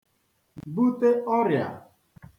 bute ọrịà